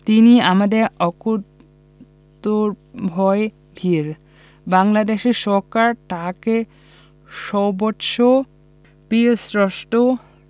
তিনি আমাদের অকুতোভয় বীর বাংলাদেশ সরকার তাঁকে সর্বোচ্চ বীরশ্রেষ্ঠ